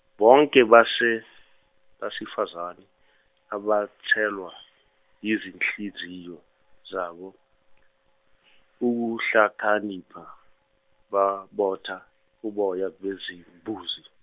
bonke base- abesifazane abatshelwa yizinhliziyo zabo ukuhlakanipha baphotha uboya bezimbuzi.